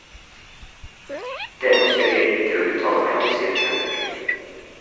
- Det ønsker jeg ikke å uttale meg om, sier Kønig.